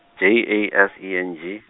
J A S E N G.